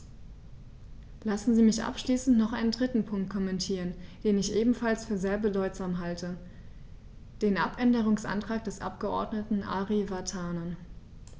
Lassen Sie mich abschließend noch einen dritten Punkt kommentieren, den ich ebenfalls für sehr bedeutsam halte: den Abänderungsantrag des Abgeordneten Ari Vatanen.